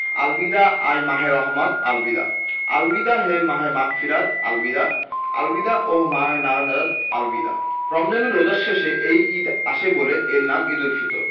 আল বিদা আয় মাহে রহমাত আল বিদা আল বিদা হে মাহে মাগফিরাত আল বিদা আল বিদা ওহঃ মাহে নাজাত আল বিদা রমজানের রোজার শেষে এই ঈদ আসে বলে এর নাম ঈদুল ফিতর